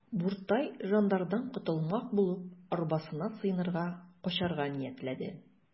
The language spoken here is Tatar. Буртай жандардан котылмак булып, арбасына сыенырга, качарга ниятләде.